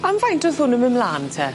Am faint o'dd hwn yn myn' mlan te?